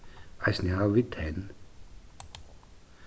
eisini hava vit tenn